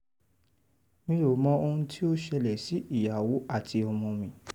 Mí ò mọ ohun tí ó ṣẹlẹ̀ sí ìyàwó àti ọmọ mi